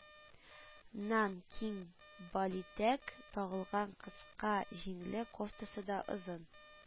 Нан киң балитәк тагылган кыска җиңле кофтасы да, озын